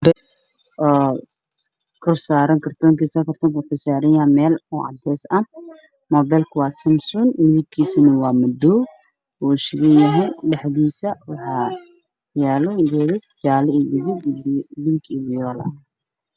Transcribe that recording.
Moobeel oo kor saaran kartoonkiisa kartoonka wuxuu saaran yahay meel oo cadays ah moobeelka waa samsoon midabkiisa waa madow wuu shidan yahay dhexdiisa waxaa yaalo geedad jaallo ah gaduud iyo binki iyo fiyool ah.